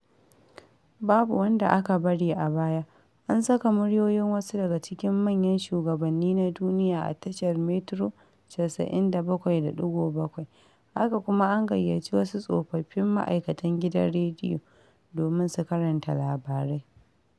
Babu wanda aka bari a baya. An saka muryoyin wasu daga cikin manyan shugabanni na duniya a tashar Metro 97.7. Haka kuma an gayyaci wasu tsofaffin ma'aikatan gidan rediyo domin su karanta labarai.